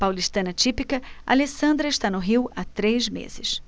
paulistana típica alessandra está no rio há três meses